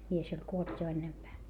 mies oli kuollut jo ennempää